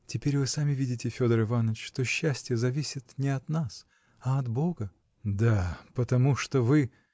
-- Теперь вы сами видите, Федор Иваныч, что счастье зависит не от нас, а от бога. -- Да, потому что вы.